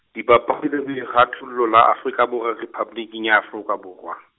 Dipapadi le Boikgathollo la Afrika Borwa, Rephaboliki ya Afrika Borwa.